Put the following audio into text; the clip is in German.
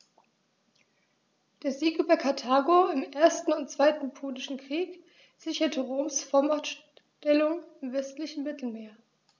Der Sieg über Karthago im 1. und 2. Punischen Krieg sicherte Roms Vormachtstellung im westlichen Mittelmeer.